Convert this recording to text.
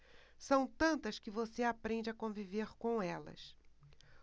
são tantas que você aprende a conviver com elas